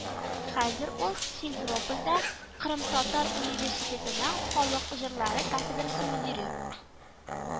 Хәзер ул Симферопольдә кырымтатар университетының халык җырлары кафедрасы мөдире